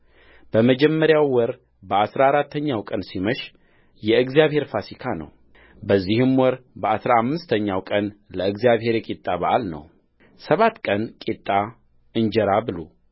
በመጀመሪያው ወር በአሥራ አራተኛው ቀን ሲመሽ የእግዚአብሔር ፋሲካ ነውበዚህም ወር በአሥራ አምስተኛው ቀን ለእግዚአብሔር የቂጣ በዓል ነው ሰባት ቀን ቂጣ እንጀራ ብሉ